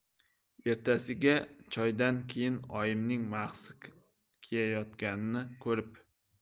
ertasiga choydan keyin oyimning mahsi kiyayotganini ko'rib